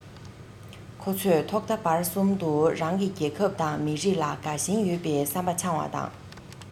ཁོ ཚོས ཐོག མཐའ བར གསུམ དུ རང གི རྒྱལ ཁབ དང མི རིགས ལ དགའ ཞེན ཡོད པའི བསམ པ འཆང བ དང